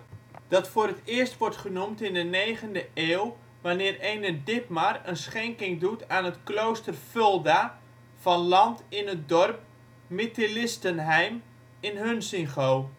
voor het eerst wordt genoemd in de negende eeuw wanneer ene Ditmar een schenking doet aan het klooster Fulda van land in het dorp ' Mitilistenheim ' in Hunsingo